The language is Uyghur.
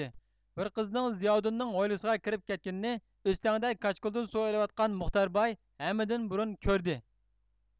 بىر قىزنىڭ زىياۋۇدۇنىڭ ھويلىسىغا كىرىپ كەتكىنىنى ئۆستەڭدە كاچكۇلدىن سۇ ئېلۋاتقان مۇختەر باي ھەممىدىن بۇرۇن كۆردى